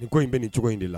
Ni ko in bɛ ni cogo in de la